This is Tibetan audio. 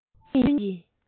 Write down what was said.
ཆོས ཉིད ཀྱི